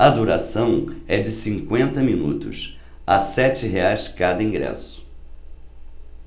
a duração é de cinquenta minutos a sete reais cada ingresso